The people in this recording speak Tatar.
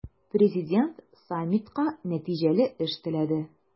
Президент саммитка нәтиҗәле эш теләде.